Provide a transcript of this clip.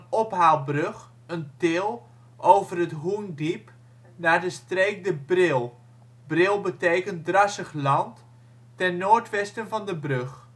ophaalbrug (til) over het Hoendiep naar de streek de Bril (bril betekent drassig land) ten noordwesten van de brug